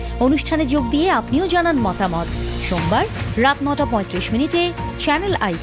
অনুষ্ঠানে যোগ দিয়ে আপনিও জানান মতামত সোমবার রাত ৯ টা ৩৫ মিনিটে চ্যানেল আই